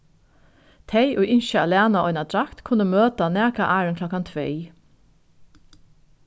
tey ið ynskja at læna eina drakt kunnu møta nakað áðrenn klokkan tvey